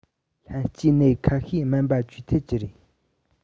ལྷན སྐྱེས ནད ཁ ཤས སྨན པ བཅོས ཐུབ ཀྱི རེད